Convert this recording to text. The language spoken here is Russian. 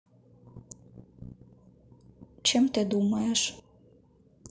чем ты думаешь